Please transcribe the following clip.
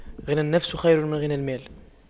غنى النفس خير من غنى المال